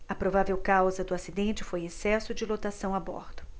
a provável causa do acidente foi excesso de lotação a bordo